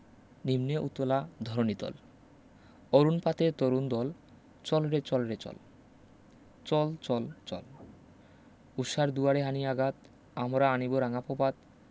নিম্নে উতলা ধরণি তল অরুণ পাতের তরুণ দল চল রে চল রে চল চল চল চল ঊষার দুয়ারে হানি আগাত আমরা আনিব রাঙা পভাত